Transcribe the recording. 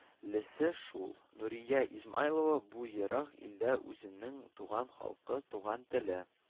Лесе шул: нурия измайлова бу ерак илдә үзенең туган халкы, туган теле